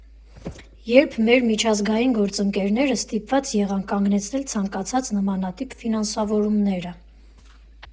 Երբ մեր միջազգային գործընկերները ստիպված եղան կանգնեցնել ցանկացած նմանատիպ ֆինանսավորումները։